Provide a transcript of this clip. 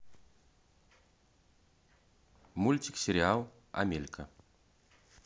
мультик сериал амелька